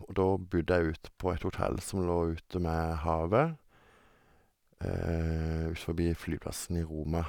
Og da bodde jeg utpå et hotell som lå ute med havet, ut forbi flyplassen i Roma.